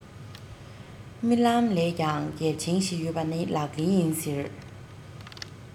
རྨི ལམ ལས ཀྱང གལ ཆེན ཞིག ཡོད པ ནི ལག ལེན ཡིན ཟེར